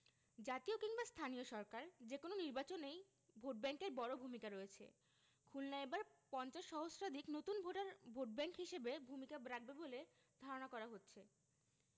জাতীয় কিংবা স্থানীয় সরকার যেকোনো নির্বাচনেই ভোটব্যাংকের বড় ভূমিকা রয়েছে খুলনায় এবার ৫০ সহস্রাধিক নতুন ভোটার ভোটব্যাংক হিসেবে ভূমিকা রাখবে বলে ধারণা করা হচ্ছে